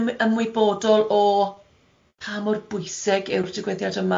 ym- ymwybodol o pa mor bwysig yw'r digwyddiad yma.